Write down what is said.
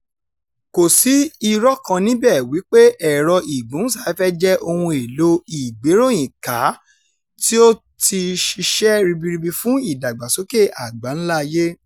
Kò sí irọ́ kan níbẹ̀ wípé Ẹ̀rọ-ìgbóhùnsáfẹ́fẹ́ jẹ́ ohun èlò ìgbéròyìn ká tí ó ti ṣiṣẹ́ ribiribi fún ìdàgbàsókè àgbà-ńlá ayé.